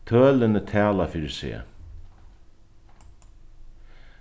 tølini tala fyri seg